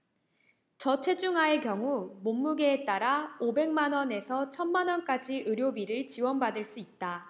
저체중아의 경우 몸무게에 따라 오백 만원에서 천 만원까지 의료비를 지원받을 수 있다